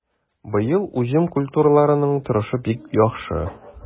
Быел уҗым культураларының торышы бик яхшы.